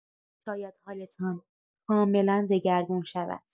شاید حالتان کاملا دگرگون شود.